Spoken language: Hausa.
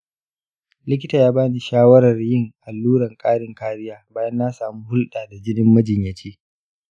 likita ya ba ni shawarar yin allurar ƙarin kariya bayan na samu hulɗa da jinin majinyaci.